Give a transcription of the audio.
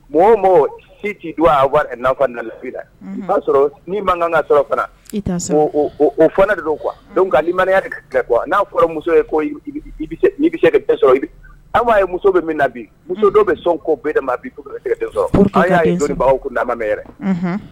Mɔ o mɔgɔ si tɛi don a wari n'fa la o'a sɔrɔ nii ma kan ka sɔrɔ fana o fana de don nkalimaya kuwa n'a fɔra muso ye bɛ ka sɔrɔ aw'a ye muso bɛ min na bi muso dɔw bɛ sɔn ko bɛɛ ma bisɛgɛ sɔrɔ a y'a donbaa aw kun'a mɛn yɛrɛ